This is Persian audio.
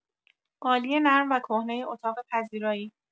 قالی نرم و کهنه اتاق پذیرایی